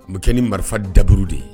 Numukɛ bɛ kɛ ni marifa dauru de ye